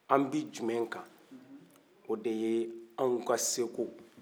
an bɛ jumɛn kan o de ye anw ka seko